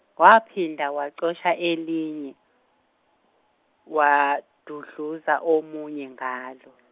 waphinda wacosha elinye, wadukluza omunye ngalo.